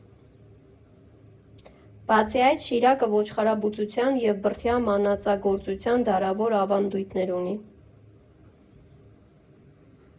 Բացի այդ՝ Շիրակը ոչխարաբուծության և բրդյա մանածագործության դարավոր ավանդույթներ ունի։